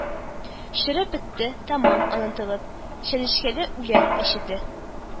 Череп бетте, тәмам онытылып, Чәнечкеле үлән эчендә